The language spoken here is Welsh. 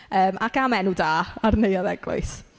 Yym ac am enw da ar neuadd eglwys.